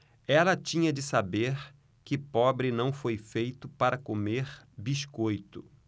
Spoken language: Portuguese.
ela tinha de saber que pobre não foi feito para comer biscoito